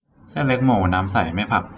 เส้นเล็กหมูน้ำใสไม่ผัก